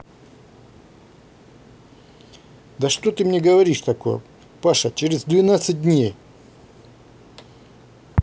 да что ты мне говоришь такое паша через двенадцать дней